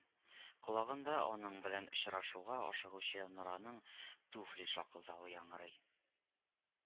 Колагында аның белән очрашуга ашыгучы нораның түфли шыкылдавы яңгырый